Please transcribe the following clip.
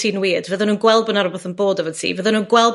ti'n wierd. Fydden nw'n gweld bo' 'na rwbeth yn bod efo ti. Fydden nw'n gweld